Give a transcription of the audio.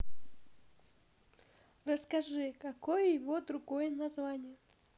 расскажи какое его другое название